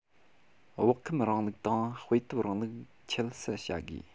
བག ཁུམ རིང ལུགས དང དཔེ དེབ རིང ལུགས ཁྱད བསད བྱ དགོས